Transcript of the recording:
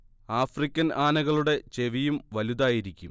African ആനകളുടെ ചെവിയും വലുതായിരിക്കും